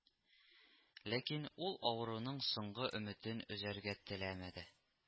Ләкин ул авыруның соңгы өметен өзәргә теләмәде